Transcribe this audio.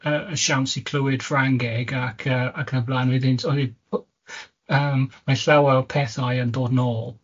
yy y siawns i clywed Ffrangeg ac yy ac yn y blaen, wedyn so yy bo- yym, mae llawer o pethau yn dod nôl.